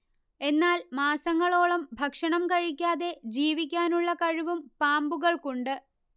എന്നാൽ മാസങ്ങളോളം ഭക്ഷണം കഴിക്കാതെ ജീവിക്കാനുള്ള കഴിവും പാമ്പുകൾക്കുണ്ട്